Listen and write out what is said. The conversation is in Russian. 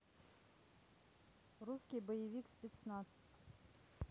русский боевик спецназ